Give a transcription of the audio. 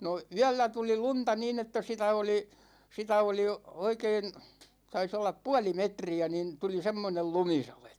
no yöllä tuli lunta niin että sitä oli sitä oli oikein taisi olla puoli metriä niin tuli semmoinen lumisade